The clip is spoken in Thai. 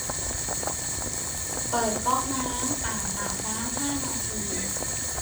เปิดก๊อกน้ำอ่างอาบน้ำห้านาที